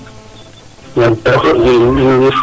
*